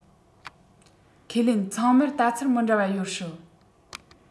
ཁས ལེན ཚང མར ལྟ ཚུལ མི འདྲ བ ཡོད སྲིད